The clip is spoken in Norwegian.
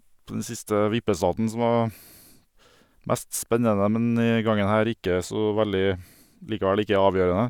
Den siste vippestaten som var mest spennende, men denne gangen her ikke så veldig likevel ikke avgjørende.